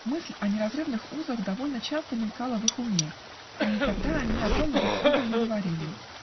Мысль о неразрывных узах довольно часто мелькала в их уме, но никогда они о том друг с другом не говорили.